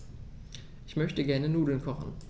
Ich möchte gerne Nudeln kochen.